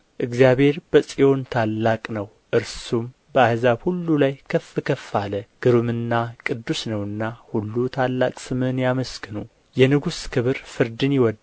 እግዚአብሔር በጽዮን ታላቅ ነው እርሱም በአሕዛብ ሁሉ ላይ ከፍ ከፍ አለ ግሩምና ቅዱስ ነውና ሁሉ ታላቅ ስምህን ያመስግኑ የንጉሥ ክብር ፍርድን ይወድዳል